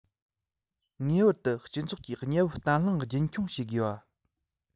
ངེས པར དུ སྤྱི ཚོགས ཀྱི གནས བབ བརྟན ལྷིང རྒྱུན འཁྱོངས བྱེད དགོས པ